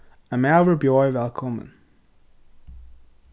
ein maður bjóðaði vælkomin